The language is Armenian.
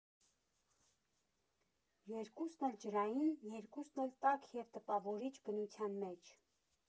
Երկուսն էլ ջրային, երկուսն էլ տաք և տպավորիչ բնության մեջ։